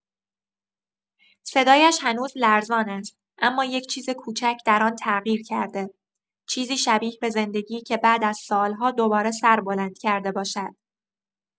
صدایش هنوز لرزان است، اما یک چیز کوچک در آن تغییر کرده؛ چیزی شبیه به زندگی که بعد از سال‌ها دوباره سر بلند کرده باشد.